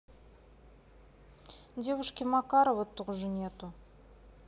девушки макарова тоже нету